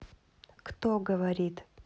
кто говорит